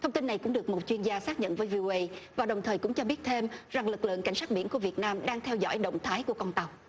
thông tin này cũng được một chuyên gia xác nhận với vi guây và đồng thời cũng cho biết thêm rằng lực lượng cảnh sát biển của việt nam đang theo dõi động thái của con tàu